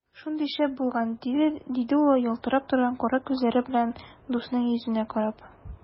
Шундый шәп булган! - диде ул ялтырап торган кара күзләре белән дусының йөзенә карап.